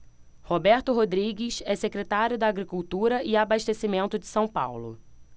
roberto rodrigues é secretário da agricultura e abastecimento de são paulo